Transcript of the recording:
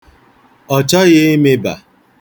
Ọ chọghị ịmịba.